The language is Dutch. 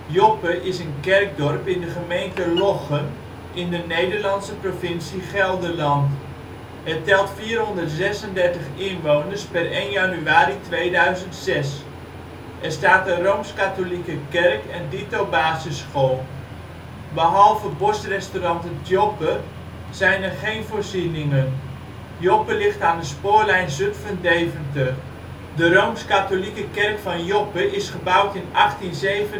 Joppe is een kerkdorp in de gemeente Lochem in de Nederlandse provincie Gelderland. Het telt 436 inwoners (1 januari 2006), er staat een Rooms-Katholieke kerk en dito basisschool. Behalve Bosrestaurant ' t Joppe zijn er geen voorzieningen. Joppe ligt aan de spoorlijn Zutphen - Deventer. De Rooms-Katholieke kerk van Joppe is gebouwd in 1867